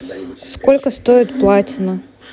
сколько стоит платина